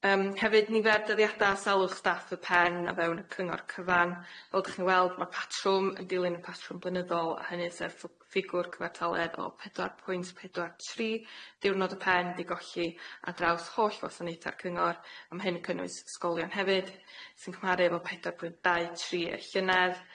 Yym hefyd nifer dyddiada salwch staff y pen o fewn y cyngor cyfan fel dych chi'n weld ma' patrwm yn dilyn y patrwm blynyddol a hynny sef ff- ffigwr cyfartaledd o pedwar pwynt pedwar tri diwrnod y pen di golli ar draws holl gwasanaetha'r cyngor a ma' hyn yn cynnwys ysgolion hefyd sy'n cymharu efo pedwar pwynt dau tri y llynedd.